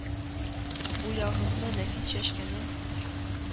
Бу ягымлы, нәфис чәчкәнең